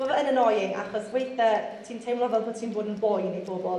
Ma' fe yn annoying achos weithe ti'n teimlo fel bo' ti'n bod yn boen i pobol